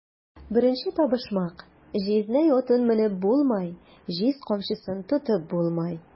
Беренче табышмак: "Җизнәй атын менеп булмай, җиз камчысын тотып булмай!"